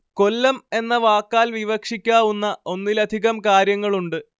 കൊല്ലം എന്ന വാക്കാൽ വിവക്ഷിക്കാവുന്ന ഒന്നിലധികം കാര്യങ്ങളുണ്ട്